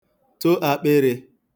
to ākpị̄rị̄